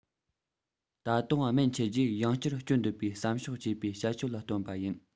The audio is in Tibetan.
ད དུང སྨན ཆད རྗེས ཡང བསྐྱར སྤྱོད འདོད པའི བསམ ཕྱོགས སྐྱེས པའི བྱ སྤྱོད ལ སྟོན པ ཡིན